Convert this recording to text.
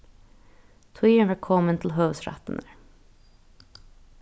tíðin var komin til høvuðsrættirnar